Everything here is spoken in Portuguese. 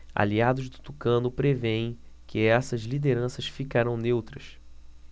aliados do tucano prevêem que essas lideranças ficarão neutras